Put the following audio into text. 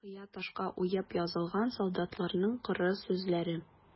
Кыя ташка уеп язылган солдатларның кырыс сүзләре.